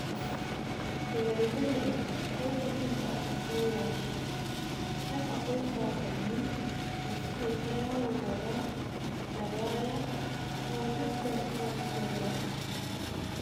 Ku yarda da ni, lokacin da aka sauya shi a can akwai sakonni da suke ta yawo gaba da baya kuma dukansu ba su da dadi.